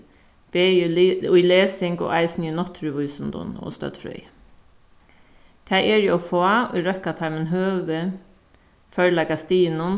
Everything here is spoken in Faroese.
bæði í lesing og eisini í náttúruvísindum og støddfrøði tað eru ov fá ið røkka teimum høgu førleikastigunum